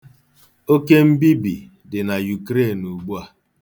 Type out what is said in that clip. Oke mbibi dị na Yukreen ugbu a.